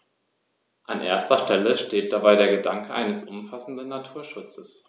An erster Stelle steht dabei der Gedanke eines umfassenden Naturschutzes.